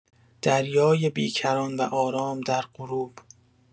دریای بی‌کران و آرام در غروب